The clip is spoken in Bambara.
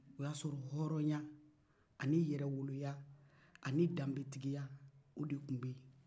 o y'a sɔrɔ hɔrɔnya ani yɛrɛwoloya ani danbetigiya o de tun bɛ yen